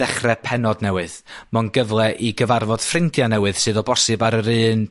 ddechre pennod newydd, ma' o'n gyfle i gyfarfod ffrindie newydd sydd o bosib ar yr un